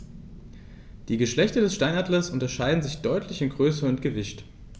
Die Geschlechter des Steinadlers unterscheiden sich deutlich in Größe und Gewicht.